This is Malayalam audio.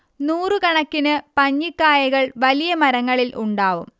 നൂറുകണക്കിന് പഞ്ഞിക്കായകൾ വലിയ മരങ്ങളിൽ ഉണ്ടാവും